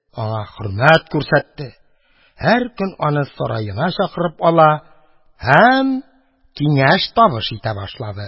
Аңа хөрмәт күрсәтте, һәр көн аны сараена чакырып ала һәм киңәш-табыш итә башлады.